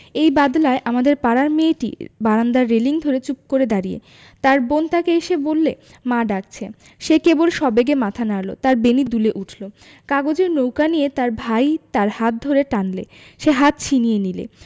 এই বাদলায় আমাদের পাড়ার মেয়েটি বারান্দায় রেলিঙ ধরে চুপ করে দাঁড়িয়ে তার বোন এসে তাকে বললে মা ডাকছে সে কেবল সবেগে মাথা নাড়ল তার বেণী দুলে উঠল কাগজের নৌকা নিয়ে তার ভাই তার হাত ধরে টানলে সে হাত ছিনিয়ে নিলে